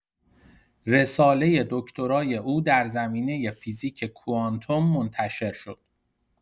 رساله دکترای او در زمینه فیزیک کوانتوم منتشر شد.